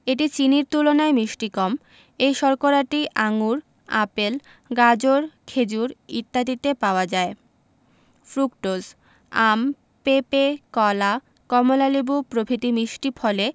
এটি চিনির তুলনায় মিষ্টি কম এই শর্করাটি আঙুর আপেল গাজর খেজুর ইত্যাদিতে পাওয়া যায় ফ্রুকটোজ আম পেপে কলা কমলালেবু প্রভৃতি মিষ্টি ফলে